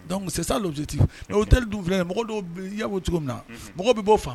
Dɔnkucti o tɛli dun filɛ ye mɔgɔ don yawo cogo min na mɔgɔ bɛ b'o faa